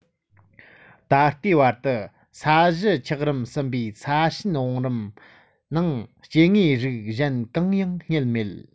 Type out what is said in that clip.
ད ལྟའི བར དུ ས གཞི ཆགས རིམ གསུམ པའི ས གཤིས བང རིམ ནང སྐྱེ དངོས རིགས གཞན གང ཡང རྙེད མེད